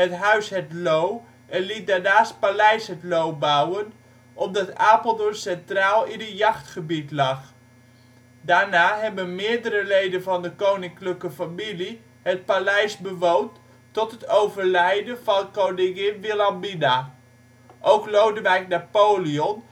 huis het Loo en liet daarnaast paleis het Loo bouwen omdat Apeldoorn centraal in een jachtgebied lag. Daarna hebben meerdere leden van de koninklijke familie het paleis bewoond, tot het overlijden van koningin Wilhelmina. Ook Lodewijk Napoleon